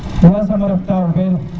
te yasam ref taw fe